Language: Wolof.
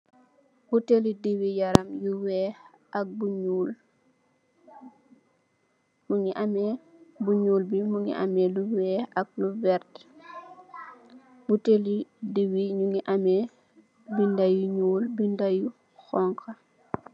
Butaili diw yaram yu weeh ak bu nyuul, bu nyuul bi mungi ame lu weeh ak lu vert, butaili diwi nyungi ame binda yu nyuul, binda yu xonxu.